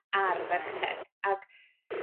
Ar ferched ag